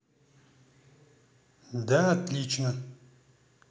да отлично